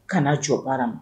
Kana jɔn baara ma.